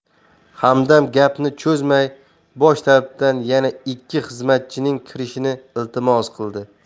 hamdam gapni cho'zmay bosh tabibdan yana ikki xizmatchining kirishini iltimos qildi